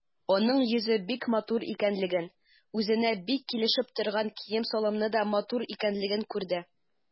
Аның йөзе бик матур икәнлеген, үзенә бик килешеп торган кием-салымы да матур икәнлеген күрде.